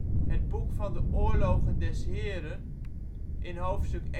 van de oorlogen des Heeren " in Hoofdstuk